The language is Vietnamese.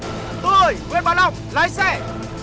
tôi nguyễn bá lọc lái xe